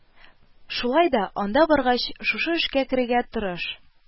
Шулай да, анда баргач, шушы эшкә керергә тырыш